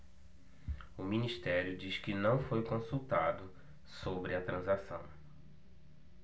o ministério diz que não foi consultado sobre a transação